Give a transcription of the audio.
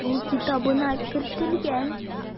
Ул китабыма кертелгән.